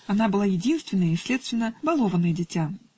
Она была единственное и следственно балованное дитя.